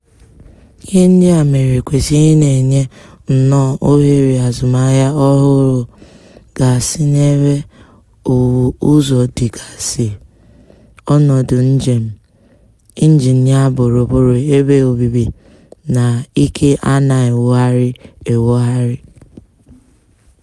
Ihe ndị a mere kwesịrị ị na-enye nnọọ ohere azụmahịa ọhụrụ gasị n'ebe owuwu ụzọ dị gasị, ọnọdụ njem, injinia gburugburu ebe obibi na ike a na-enwogharị enwogharị.